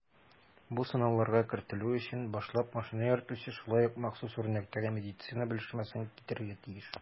Бу сынауларга кертелү өчен башлап машина йөртүче шулай ук махсус үрнәктәге медицинасы белешмәсен китерергә тиеш.